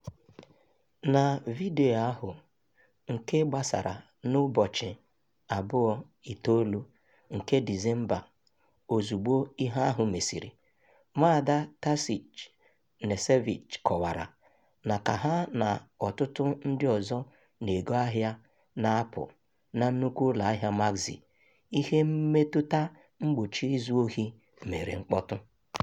Na vidiyo ahụ, nke gbasara n'ụbọchị 29 nke Disemba ozugbo ihe ahụ mesịrị, NwaadaTasić Knežević kọwara na ka ya na ọtụtụ ndị ọzọ na-ego ahịa na-apụ na nnukwu ụlọ ahịa Maxi, ihe mmetụta mgbochi izu ohi mere mkpọtụ.